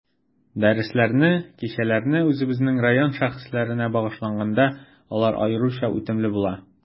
Дәресләрне, кичәләрне үзебезнең район шәхесләренә багышлаганда, алар аеруча үтемле була.